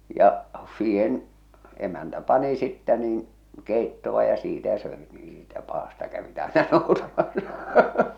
ja siihen emäntä pani sitten niin keittoa ja siitä söivät niin siitä päästä kävivät aina noutamassa